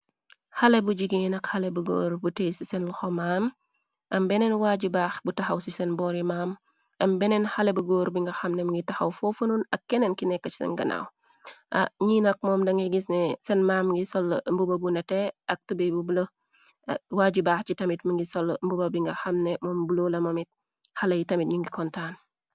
Xale bu jigéen ak xale bu góor bu tee ci seen xo maam am beneen waaju baax bu taxaw ci seen boori maam am beneen xale bu góor bi nga xamne mi ngi taxaw foofanuon ak keneen ki nekk ci seen ganaaw ñi nax moom da nga gisne seen maam ngi sol mbuba bu nete ak tube waaju baax ci tamit mi ngi sol mbuba bi nga xamne moom bulu lama mit xale yi tamit ñu ngi kontaan.